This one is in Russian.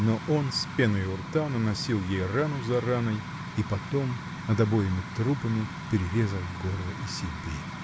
Но он, с пеной у рта, наносил ей рану за раной и потом, над обоими трупами, перерезал горло и себе.